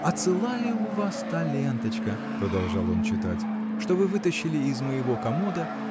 А цела ли у вас та ленточка (продолжал он читать) что вы вытащили из моего комода